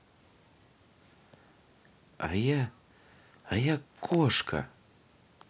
а я а я кошка